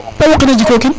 te woqina jikokin